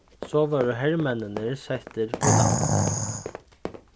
so vórðu hermenninir settir í land